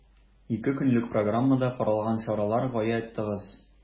Ике көнлек программада каралган чаралар гаять тыгыз.